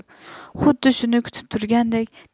xuddi shuni kutib turgandek